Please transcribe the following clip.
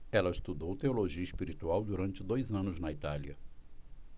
ela estudou teologia espiritual durante dois anos na itália